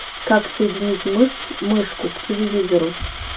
как соединить мышь мышку к телевизору